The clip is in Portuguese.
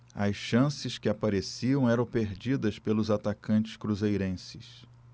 as chances que apareciam eram perdidas pelos atacantes cruzeirenses